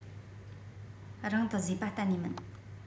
རང དུ བཟོས བ གཏན ནས མིན